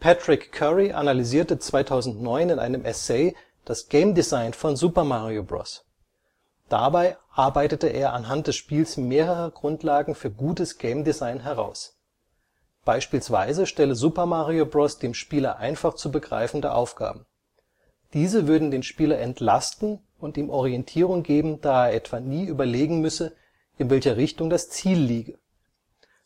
Patrick Curry analysierte 2009 in einem Essay das Game-Design von Super Mario Bros. Dabei arbeitete er anhand des Spiels mehrere Grundlagen für gutes Game-Design heraus. Beispielsweise stelle Super Mario Bros. dem Spieler einfach zu begreifende Aufgaben. Diese würden den Spieler entlasten und ihm Orientierung geben, da er etwa nie überlegen müsse, in welcher Richtung das Ziel liege.